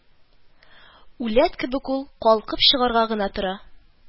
Үләт кебек ул, калкып чыгарга гына тора